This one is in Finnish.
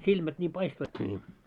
silmät niin paistoivatkin niin